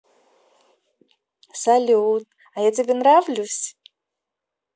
салют а я тебе нравлюсь